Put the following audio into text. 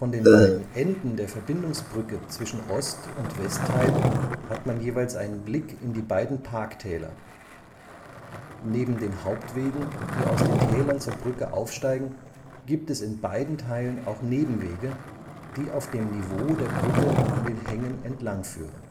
den beiden Enden der Verbindungsbrücke zwischen Ost - und Westteil hat man jeweils einen Blick in die beiden Parktäler. Neben den Hauptwegen, die aus den Tälern zur Brücke aufsteigen, gibt es in beiden Teilen auch Nebenwege, die auf dem Niveau der Brücke an den Hängen entlangführen